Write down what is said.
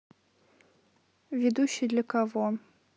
ведущий для кого